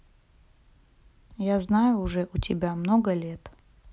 я знаю уже у тебя много лет